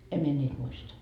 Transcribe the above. en minä niitä muista